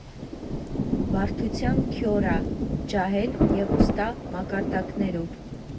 Բարդության «քյորա», «ջահել» և «ուստա» մակարդակներով։